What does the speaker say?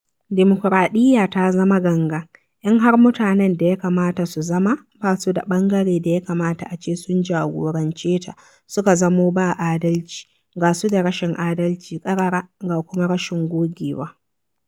Dimukuraɗiyya ta zama gangan in har mutanen da ya kamata su zama ba su da ɓangare da ya kamata a ce sun jagorance ta suka zamo ba adalci, ga su da rashin adalci ƙarara ga kuma rashin gogewa.